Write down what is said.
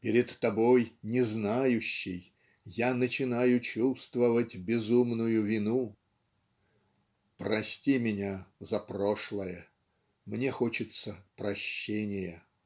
перед тобой незнающей Я начинаю чувствовать безумную вину. . Прости меня за прошлое. Мне хочется прощения.